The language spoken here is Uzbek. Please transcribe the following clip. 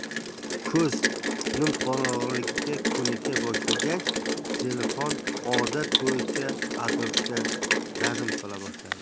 ko'z nimqorong'ilikka ko'nika boshlagach zelixon odat bo'yicha atrofga razm sola boshladi